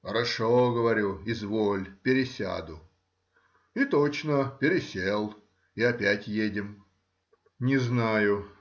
— Хорошо,— говорю,— изволь, пересяду,— и точно, пересел, и опять едем. Не знаю